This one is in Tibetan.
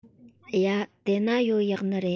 ཡ དེས ན ཡོ ཡག ནི རེད